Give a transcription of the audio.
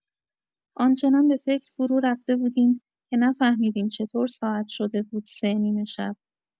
آنچنان به فکر فرورفته بودیم که نفهمیدیم چطور ساعت شده بود ۳ نیمه‌شب!